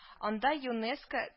Анда ЮНЕСКО